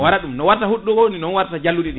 no waara ɗum no waarta huuɗoko ni ko noon warta jalluɗiɗi